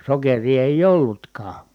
sokeria ei ollutkaan